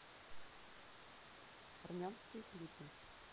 армянские клипы